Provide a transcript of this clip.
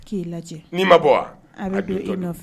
K'i n'i ma bɔ